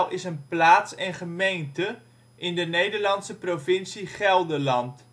is een plaats en gemeente in de Nederlandse provincie Gelderland